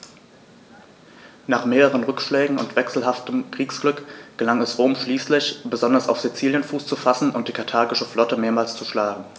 Nach mehreren Rückschlägen und wechselhaftem Kriegsglück gelang es Rom schließlich, besonders auf Sizilien Fuß zu fassen und die karthagische Flotte mehrmals zu schlagen.